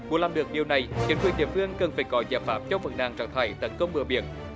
muốn làm được điều này chính quyền địa phương cần phải có giải pháp cho vấn nạn rác thải tấn công bờ biển